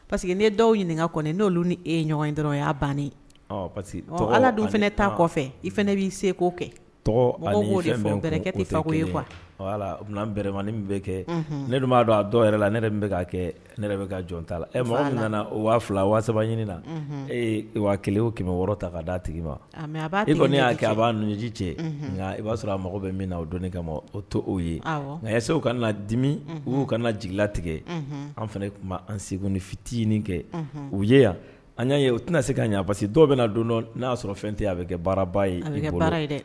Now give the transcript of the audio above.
Parce que ne dɔw ɲininka ka kɔni n'oolu ni e ɲɔgɔn in dɔrɔn y'a bannen que ala don fana taa kɔfɛ i fana bɛ'i se k'o kɛkɛ tɛ fa ko ye kuwa an ne bɛ kɛ ne tun b'a dɔn a dɔw yɛrɛ la ne kɛ ka jɔn t ta mɔgɔ min nana waa fila waasa ɲini na ee wa kelen o kɛmɛ wɔɔrɔ ta k ka d da tigi ma e kɔni y'a kɛ a b'a ji cɛ nka i b'a sɔrɔ a mago bɛ min na o dɔn kama ma o to o ye nka segu kana na dimi u'u kana jigila tigɛ an fana tun bɛ an segu ni fiti ɲini kɛ u ye yan an y'a ye u tɛna se k' ɲɛ parce que dɔw bɛna na don n'a y'a sɔrɔ fɛn tɛ a bɛ kɛ baara ba ye ye dɛ